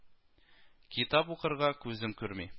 Китап укырга күзем күрми